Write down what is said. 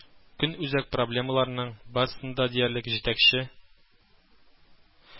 Көнүзәк проблемаларның барысын да диярлек җитәкче